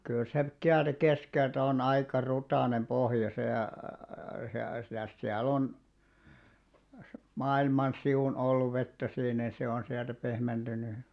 kyllä se sieltä keskeltä on aika rutainen pohja se - mitäs siellä on maailman sivun ollut vettä siinä niin se on sieltä pehmentynyt